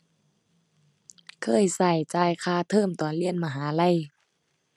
เคยใช้จ่ายค่าเทอมตอนเรียนมหาลัย